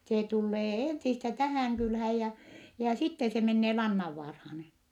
se tulee ensistä tähän kylään ja ja sitten se menee Lannanvaaraan